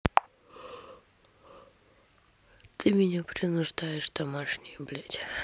ты меня принуждаешь домашнее блядь